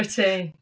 Wyt ti?